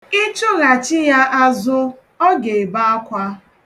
Ị chụghachi ya azụ, ọ ga-ebe akwa.